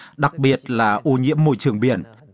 đặc biệt là ô nhiễm môi trường biển